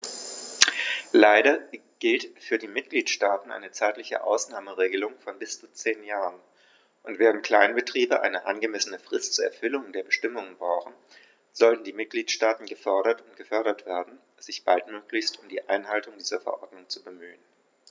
Leider gilt für die Mitgliedstaaten eine zeitliche Ausnahmeregelung von bis zu zehn Jahren, und, während Kleinbetriebe eine angemessene Frist zur Erfüllung der Bestimmungen brauchen, sollten die Mitgliedstaaten gefordert und gefördert werden, sich baldmöglichst um die Einhaltung dieser Verordnung zu bemühen.